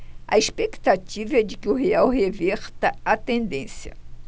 a expectativa é de que o real reverta a tendência